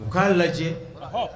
U k'a lajɛ ɔhɔɔ